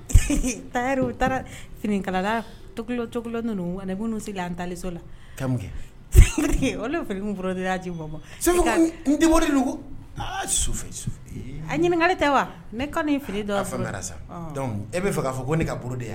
Taara u taara finikalalala sigi an taliso la filioro y'mo a ɲininkakali tɛ wa ne kan fili sa e bɛa fɛ k'a fɔ ko ne ka bolo de wa